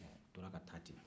a tora ka taa ten